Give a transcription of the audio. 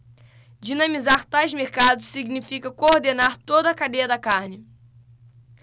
dinamizar tais mercados significa coordenar toda a cadeia da carne